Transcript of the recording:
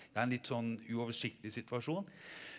det er en litt sånn uoversiktlig situasjon.